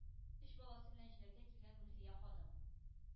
Өч баласы белән җиләккә килгән гөлфия ханым.